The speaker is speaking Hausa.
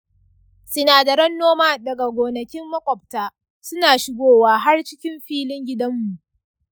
sinadaran noma daga gonakin maƙwabta suna shigowa har cikin filin gidanmu.